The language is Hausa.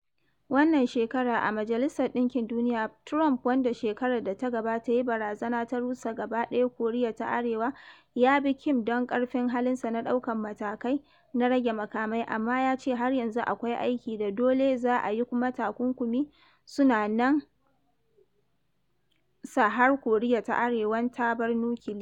Wannan shekarar a Majalisar Ɗinkin Duniya, Trump, wanda shekarar da ta gabata ya yi barazana ta “rusa gaba ɗaya” Koriya ta Arewa, ya yabi Kim don ƙarfin halinsa na ɗaukan matakai na rage makamai, amma ya ce har yanzu akwai aiki da dole za a yi kuma takunkumi suna nan sa har Koriya ta Arewan ta bar nukiliya.